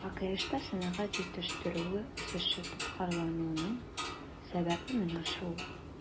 АКШта сәнәгать җитештерүе үсеше тоткарлануның сәбәбе менә шул.